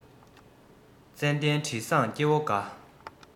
ཙན དན དྲི བཟང སྐྱེ བོ དགའ